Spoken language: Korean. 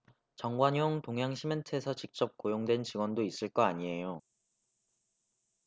정관용 동양시멘트에서 직접 고용된 직원도 있을 거 아니에요